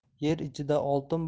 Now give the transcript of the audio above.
yer ichida oltin